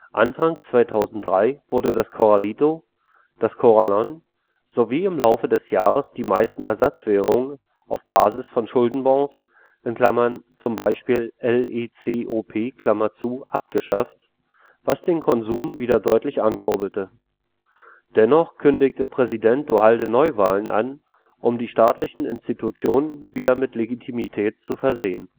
Anfang 2003 wurden das Corralito, das Corralón sowie im Laufe des Jahres die meisten Ersatzwährungen auf Basis von Schuldenbonds (zum Beispiel LECOP) abgeschafft, was den Konsum wieder deutlich ankurbelte. Dennoch kündigte Präsident Duhalde Neuwahlen an, um die staatlichen Institutionen wieder mit Legitimität zu versehen